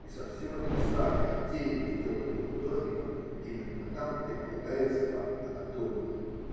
и совсем это не сажа, а тени, сделанные художником именно там, где полагается по анатомии.